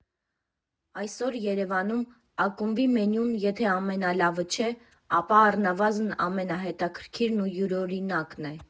Այսօր Երևանում «Ակումբի» մենյուն եթե ամենալավը չէ, ապա առնվազն ամենահետաքրքիրն ու յուրօրինակն է։